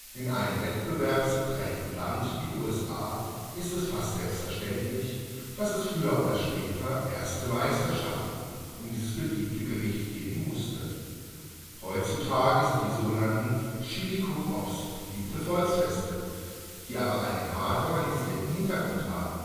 In einem wettbewerbsgeprägten Land wie den USA ist es fast selbstverständlich, dass es früher oder später erste Meisterschaften um dieses beliebte Gericht geben musste. Heutzutage sind die sogenannten Chili Cook Offs beliebte Volksfeste, die aber einen hart organisierten Hintergrund haben